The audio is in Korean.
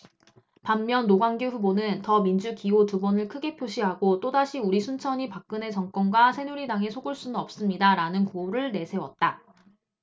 반면 노관규 후보는 더민주 기호 두 번을 크게 표시하고 또다시 우리 순천이 박근혜 정권과 새누리당에 속을 수는 없습니다라는 구호를 내세웠다